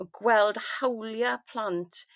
o gweld hawlia' plant